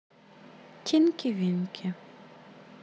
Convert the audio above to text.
тинки винки